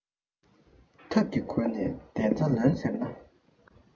ཐབས ཀྱིས སྒོ ནས དོན རྩ ལོན ཟེར ན